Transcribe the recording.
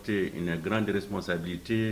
Garandsma sabi tɛ